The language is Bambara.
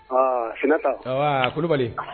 Sinata Kulubali